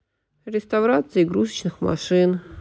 реставрация игрушечных машин